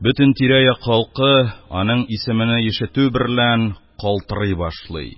Бөтен тирә-як халкы аның исемене ишетү берлән калтырый башлый,